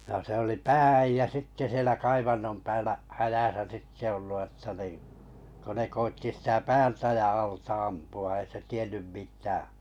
no se oli pää-äijä sitten siellä kaivannon päällä hädässä sitten ollut jotta niin kun ne koetti sitä päältä ja alta ampua ei se tiennyt mitään